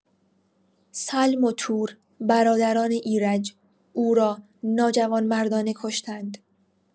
سلم و تور، برادران ایرج، او را ناجوانمردانه کشتند.